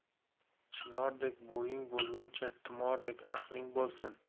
chinordek bo'ying bo'lguncha tumordek aqling bo'lsin